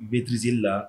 Beretiz la